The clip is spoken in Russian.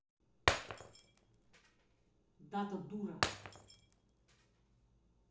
дата дура